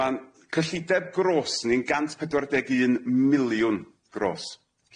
Ma'n cyllideb gros ni'n gant pedwar deg un miliwn gros.